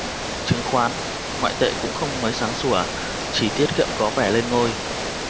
chứng khoán ngoại tệ cũng không mấy sáng sủa chỉ tiết kiệm có vẻ lên ngôi